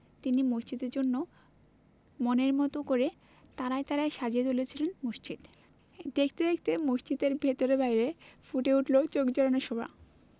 তিনি মসজিদের জন্যে মনের মতো করে তারায় তারায় সাজিয়ে তুললেন মসজিদ দেখতে দেখতে মসজিদের ভেতরে বাইরে ফুটে উঠলো চোখ জুড়োনো শোভা